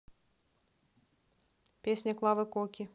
песня клавы коки